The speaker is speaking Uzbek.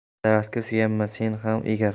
egilgan daraxtga suyanma seni ham egar